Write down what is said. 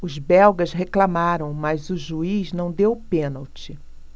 os belgas reclamaram mas o juiz não deu o pênalti